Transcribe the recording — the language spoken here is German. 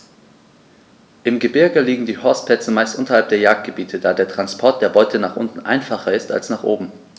Im Gebirge liegen die Horstplätze meist unterhalb der Jagdgebiete, da der Transport der Beute nach unten einfacher ist als nach oben.